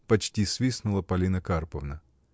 — почти свистнула Полина Карповна.